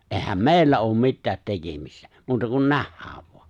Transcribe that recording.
eihän meillä ole mitään tekemistä muuta kuin nähdään vain